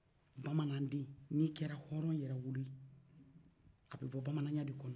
bamananden n'i kɛra hɔrɔn yɛrɛwolo ye a bɛ bɔ bamananya de kɔnɔ